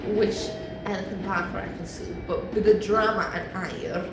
wish anything bad for Ekin-Su but bydd... Ie. ...y drama yn aur.